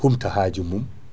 humta haaju mum